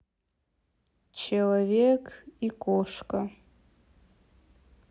человек и кошка